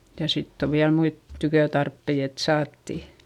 ja sitten on vielä muita tykötarpeita että saatiin